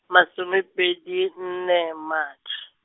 masomepedi nne Matšhe.